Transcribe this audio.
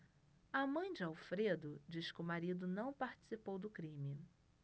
a mãe de alfredo diz que o marido não participou do crime